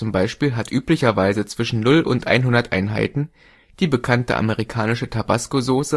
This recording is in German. z. B. hat üblicherweise zwischen 0 und 100 Einheiten, die bekannte amerikanische Tabascosauce